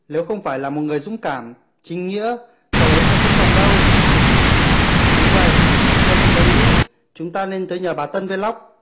nếu không phải là một người dũng cảm chính nghĩa cậu ấy sẽ không chọn đâu đúng vậy cho nên tớ nghĩ chúng ta nên tới nhờ bà tân vlog